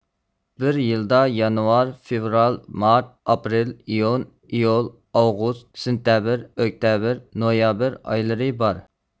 بىر يىلدا يانۋار فېۋرال مارت ئاپرېل ئىيۇن ئىيۇل ئاۋغۇست سىنتەبېر ئۆكتەبىر نويابىر ئايلىرى بار